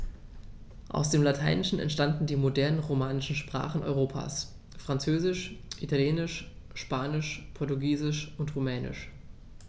Aus dem Lateinischen entstanden die modernen „romanischen“ Sprachen Europas: Französisch, Italienisch, Spanisch, Portugiesisch und Rumänisch.